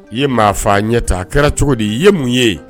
I maa fa ɲɛta kɛra cogo di ye mun ye